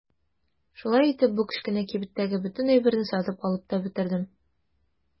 Шулай итеп бу кечкенә кибеттәге бөтен әйберне сатып алып та бетердем.